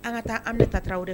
An ka taa an bɛ tatiw de